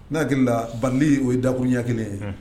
N'a hakiliki la bandi o ye dakun ɲɛ kelen ye